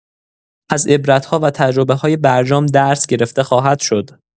از عبرت‌ها و تجربه‌های برجام درس گرفته خواهد شد.